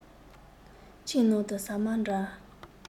ཁྱིམ ནང དུ ཟ མ འདྲ